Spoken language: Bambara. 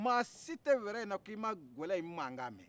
maa si tɛ wɛrɛ in na k'i ma gɛlɛ in mankan mɛn